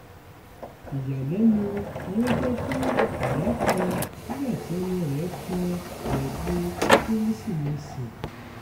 Ìyàlẹ́nu ni ó jẹ́ fún ìyá kan nígbàtí ọmọọ rẹ̀ kọ ẹ̀bùn Kérésìmesì.